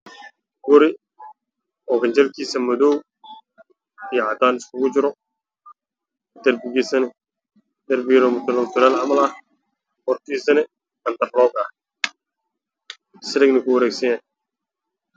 Waa guri banan kuusu waa inter loog